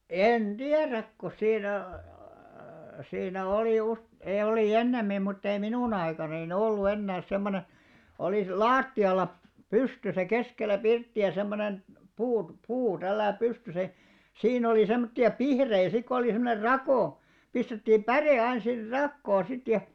en tiedä kun siinä -- siinä oli -- oli ennemmin mutta ei minun aikanani ollut enää semmoinen - lattialla pystyssä keskellä pirttiä semmoinen puut puu tällä lailla pystyssä ja siinä oli semmoisia pihtejä sitten kun oli semmoinen rako pistettiin päre aina sitten rakoon sitten ja